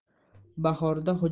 bahorda hujraning tomiga